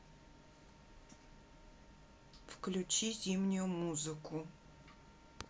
включи зимнюю музыку